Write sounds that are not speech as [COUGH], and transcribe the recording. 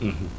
[HESITATION] [HESITATION]